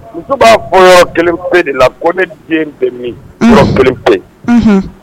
Muso b'a fɔ yɔrɔ kelen pewu de la ko ne den bɛ min, unhun, yɔrɔ kelen pewu, unhun.